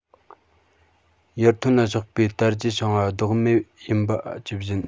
ཡར ཐོན ལ ཕྱོགས པའི དར རྒྱས བྱུང བ ལྡོག མེད ཡིན པ ཇི བཞིན